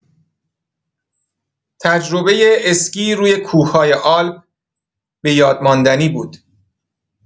تجربۀ اسکی روی کوه‌های آلپ بۀادماندنی بود.